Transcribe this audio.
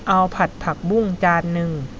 เอาผัดผักบุ้งจานหนึ่ง